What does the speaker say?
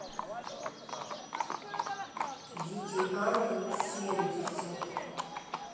дикий ангел семьдесят